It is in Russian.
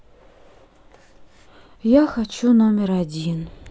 я хочу номер один